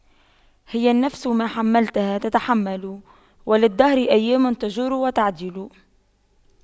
هي النفس ما حَمَّلْتَها تتحمل وللدهر أيام تجور وتَعْدِلُ